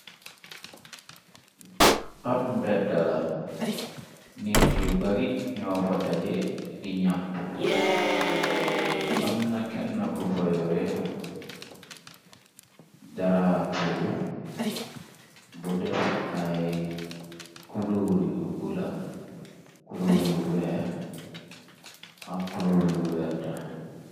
Ab mbedda la nit yu bari ñoo fa daje di ñaxtu amna kenn ku fayure daraapu bu def ay kuluur yu bu la kuluur yu weex ak kuluur yu werta.